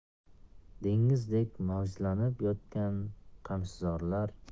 dengizdek mavjlanib yotgan qamishzorlar